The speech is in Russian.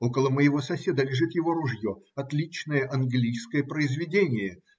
Около моего соседа лежит его ружье, отличное английское произведение.